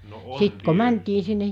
no on tietysti